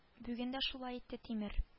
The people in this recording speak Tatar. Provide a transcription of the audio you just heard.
Бүген дә шулай итте тимер